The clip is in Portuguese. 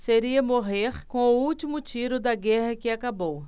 seria morrer com o último tiro da guerra que acabou